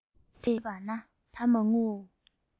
དེས ཐོས པ ནད མ ངུ